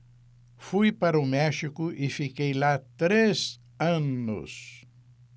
fui para o méxico e fiquei lá três anos